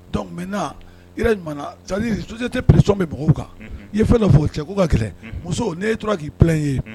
Dɔnkuc mɛ so tɛ psi bɛ mɔgɔw kan i ye fɛn fɔ o cɛ k'u ka kɛlɛ muso n' e tora k'i p ye